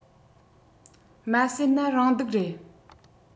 མ སད ན རང སྡུག རེད